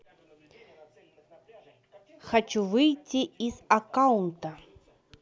хочу выйти из аккаунта